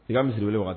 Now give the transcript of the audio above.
I' misisiri wele wa